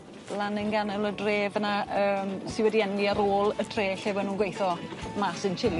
lan yn ganol y dre fyn 'na yym sy wedi enwi ar ôl y tre lle ma' nw'n gweitho mas yn Chile.